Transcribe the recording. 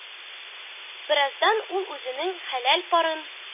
Бераздан ул үзенең хәләл парын